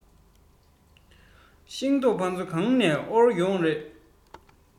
ཤིང ཏོག ཕ ཚོ ག ནས དབོར ཡོང བ རེད